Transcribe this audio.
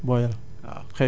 mooy booyal